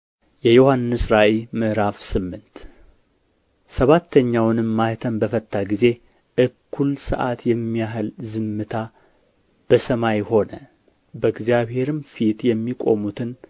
የዮሐንስ ራእይ ምዕራፍ ስምንት ሰባተኛውንም ማኅተም በፈታ ጊዜ እኵል ሰዓት የሚያህል ዝምታ በሰማይ ሆነ በእግዚአብሔርም ፊት የሚቆሙትን